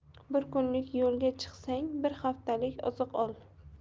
bir kunlik yo'lga chiqsang bir haftalik oziq ol